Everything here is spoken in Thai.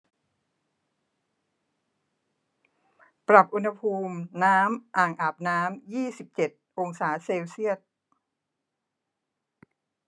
ปรับอุณหภูมิน้ำอ่างอาบน้ำยี่สิบเจ็ดองศาเซลเซียส